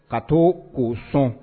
Ka to k'o sɔn